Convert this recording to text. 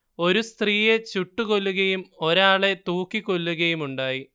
ഒരു സ്ത്രീയെ ചുട്ടുകൊല്ലുകയും ഒരാളെ തൂക്കിക്കൊല്ലുകയുമുണ്ടായി